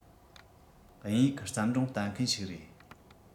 དབྱིན ཡིག གི བརྩམས སྒྲུང ལྟ མཁན ཞིག རེད